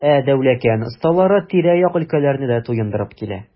Ә Дәүләкән осталары тирә-як өлкәләрне дә туендырып килә.